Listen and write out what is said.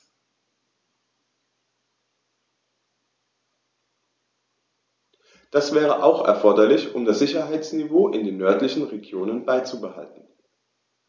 Das wäre auch erforderlich, um das Sicherheitsniveau in den nördlichen Regionen beizubehalten.